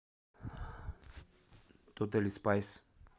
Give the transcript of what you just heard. тотали спайс